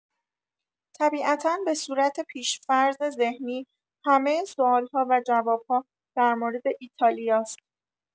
طبیعتا بصورت پیش‌فرض ذهنی همه سوال‌ها و جواب‌ها در مورد ایتالیاست.